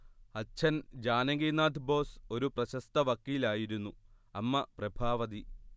അച്ഛൻ ജാനകിനാഥ് ബോസ് ഒരു പ്രശസ്ത വക്കീലായിരുന്നു അമ്മ പ്രഭാവതി